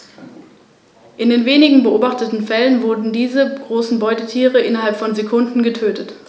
Zudem finden sich viele lateinische Lehnwörter in den germanischen und den slawischen Sprachen.